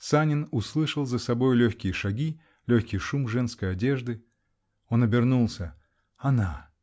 Санин услышал за собою легкие шаги, легкий шум женской одежды. Он обернулся: она!